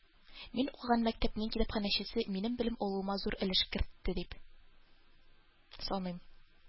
Мин укыган мәктәпнең китапханәчесе минем белем алуыма зур өлеш кертте дип саныйм